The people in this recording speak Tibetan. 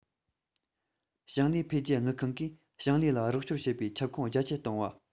ཞིང ལས འཕེལ རྒྱས དངུལ ཁང གིས ཞིང ལས ལ རོགས སྐྱོར བྱེད པའི ཁྱབ ཁོངས རྒྱ སྐྱེད གཏོང བ